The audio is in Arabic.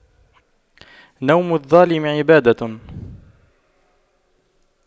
نوم الظالم عبادة